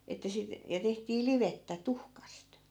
että sitten ja tehtiin livettä tuhkasta